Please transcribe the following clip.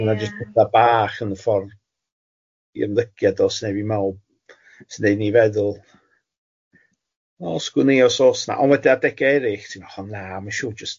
...ond ma' jyst petha bach yn y ffordd i ymddygiad o sy'n neud fi'n meddwl sy'n neud ni feddwl, o sgwn i os os na ond wedi adega erill ti'n meddwl o na ma siwr jyst